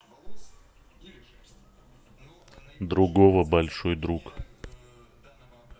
другого большой друг